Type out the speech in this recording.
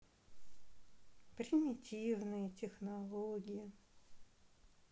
примитивные технологии